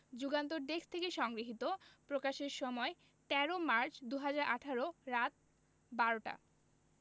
Jugantor desk থেকে সংগৃহীত প্রকাশের সময় ১৩ মার্চ ২০১৮ রাত ১২:০০ টা